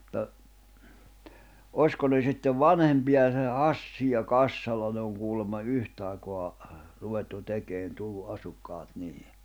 mutta olisiko ne sitten vanhempia se Hassi ja Kassala ne on kuulemma yhtä aikaa ruvettu tekemään tullut asukkaat niihin